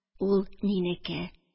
Ул минеке